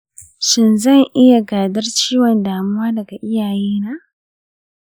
shin zan iya gadar ciwon damuwa daga iyayena?